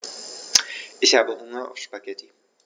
Ich habe Hunger auf Spaghetti.